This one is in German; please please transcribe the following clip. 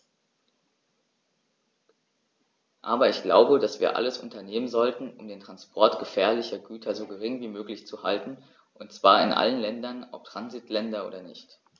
Aber ich glaube, dass wir alles unternehmen sollten, um den Transport gefährlicher Güter so gering wie möglich zu halten, und zwar in allen Ländern, ob Transitländer oder nicht.